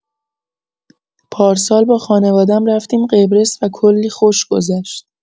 پارسال با خانوادم رفتیم قبرس و کلی خوش گذشت.